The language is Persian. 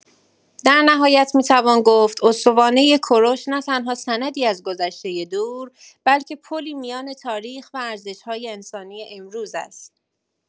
در نهایت می‌توان گفت استوانه کوروش نه‌تنها سندی از گذشته دور، بلکه پلی میان تاریخ و ارزش‌های انسانی امروز است.